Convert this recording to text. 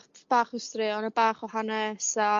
bach o straeon a bach o hanes a